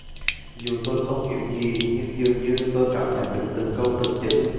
dù tôi không hiểu gì nhưng dường như tôi cảm nhận được từng câu từng chữ